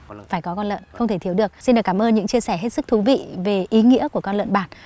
phải có con lợn không thể thiếu được xin được cảm ơn những chia sẻ hết sức thú vị về ý nghĩa của con lợn bản